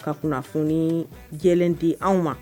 Ka kunnafoni jɛlen di anw ma